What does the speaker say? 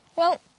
Wel